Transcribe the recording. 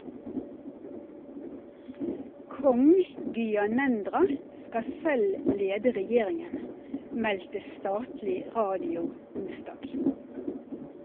Kong Gyanendra skal selv lede regjeringen, meldte statlig radio onsdag.